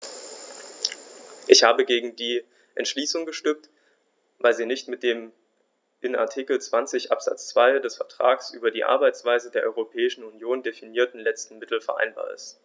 Ich habe gegen die Entschließung gestimmt, weil sie nicht mit dem in Artikel 20 Absatz 2 des Vertrags über die Arbeitsweise der Europäischen Union definierten letzten Mittel vereinbar ist.